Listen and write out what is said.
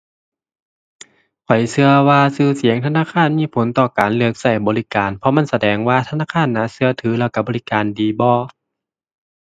ข้อยเชื่อว่าเชื่อเสียงธนาคารมีผลต่อการเลือกเชื่อบริการ เพราะมันแสดงว่าธนาคารน่าเชื่อถือแล้วเชื่อบริการดีบ่